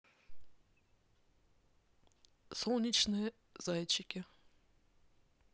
солнечные зайчики